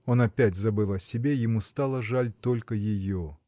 Он опять забыл о себе: ему стало жаль только ее.